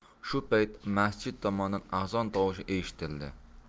shu payt masjid tomondan azon tovushi eshitildi